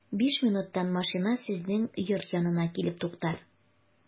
Биш минуттан машина сезнең йорт янына килеп туктар.